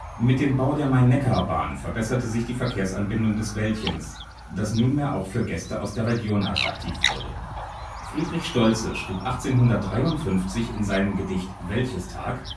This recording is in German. Mit dem Bau der Main-Neckar-Bahn verbesserte sich die Verkehrsanbindung des Wäldchens, das nunmehr auch für Gäste aus der Region attraktiv wurde. Friedrich Stoltze schrieb 1853 in seinem Gedicht Wäldchestag